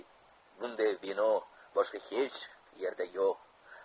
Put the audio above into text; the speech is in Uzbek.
bunday vino boshqa hech yerda yo'q